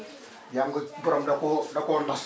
yaa ngi ko borom da koo da koo nos